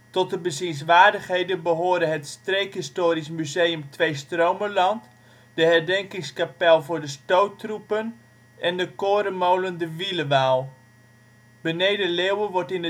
Tot de bezienswaardigheden behoren het Streekhistorisch Museum Tweestromenland, de herdenkingskapel voor de Stoottroepen en de korenmolen De Wielewaal. Beneden-Leeuwen wordt in